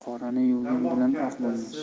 qorani yuvgan bilan oq bo'lmas